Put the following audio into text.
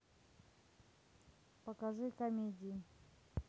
покажи комедии